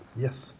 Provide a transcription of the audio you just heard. yes.